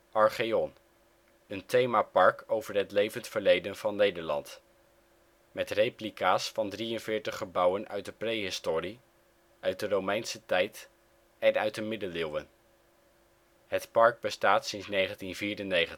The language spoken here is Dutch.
Archeon: Een themapark over het levend verleden van Nederland. Met replica 's van 43 gebouwen uit de prehistorie, uit de Romeinse tijd en uit de Middeleeuwen. Het park bestaat sinds 1994